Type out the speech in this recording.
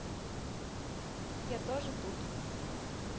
я тоже тут